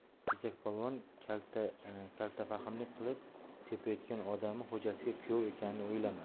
kesakpolvon kaltafahmlik qilib tepayotgan odami xo'jasiga kuyov ekanini o'ylamadi